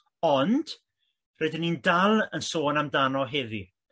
ond rydyn ni'n dal yn sôn amdano heddi' rydyn ni'n dal i